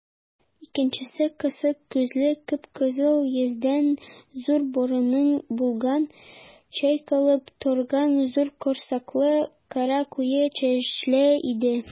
Икенчесе кысык күзле, кып-кызыл йөзендә зур борыны булган, чайкалып торган зур корсаклы, кара куе чәчле иде.